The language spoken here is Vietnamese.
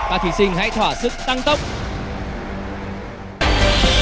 ba thí sinh hãy thỏa sức tăng tốc đoạn